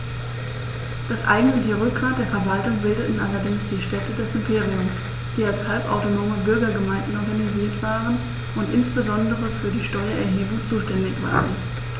Das eigentliche Rückgrat der Verwaltung bildeten allerdings die Städte des Imperiums, die als halbautonome Bürgergemeinden organisiert waren und insbesondere für die Steuererhebung zuständig waren.